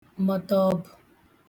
mọtọọ̀bụ